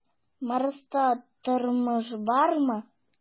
"марста тормыш бармы?"